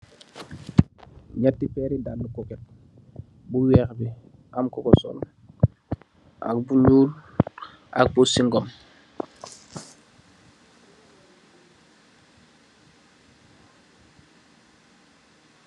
Nyati Peeri daali koket, bu weekh bi am kuko sol, ak bu nyul, ak bu singom.